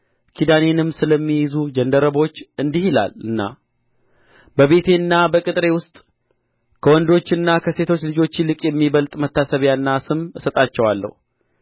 ኪዳኔንም ስለሚይዙ ጃንደረቦች እንዲህ ይላልና በቤቴና በቅጥሬ ውስጥ ከወንዶችና ከሴቶች ልጆች ይልቅ የሚበልጥ መታሰቢያና ስም እሰጣቸዋለሁ